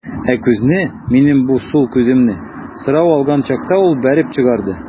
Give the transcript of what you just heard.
Ә күзне, минем бу сул күземне, сорау алган чакта ул бәреп чыгарды.